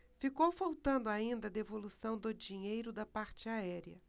ficou faltando ainda a devolução do dinheiro da parte aérea